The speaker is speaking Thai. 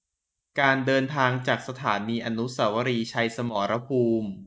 การเดินทางจากสถานีอนุสาวรีย์ชัยสมรภูมิ